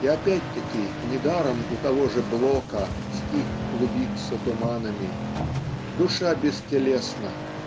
и опять-таки недаром у того же Блока стих клубится туманами. Душа бестелесна